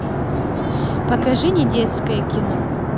покажи недетское кино